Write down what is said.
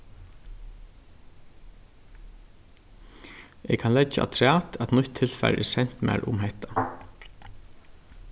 eg kann leggja afturat at nýtt tilfar er sent mær um hetta